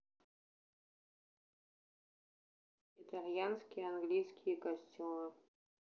итальянские английские костюмы